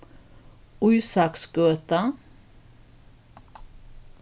ísaksgøta